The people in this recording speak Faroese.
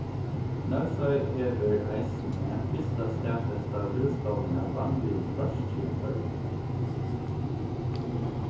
nólsoy hevur eisini fyrsta staðfesta villstovnin av vanligum froski í føroyum